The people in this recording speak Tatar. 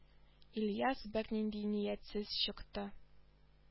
Ильяс бернинди ниятсез чыкты